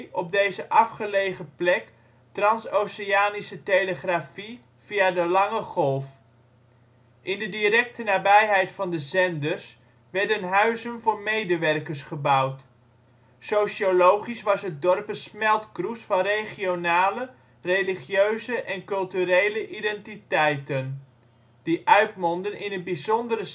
op deze afgelegen plek transoceanische telegrafie via de lange golf. In de directe nabijheid van de zenders werden huizen voor medewerkers gebouwd. Sociologisch was het dorp een smeltkroes van regionale, religieuze en culturele identiteiten, die uitmondden in een bijzondere samenleving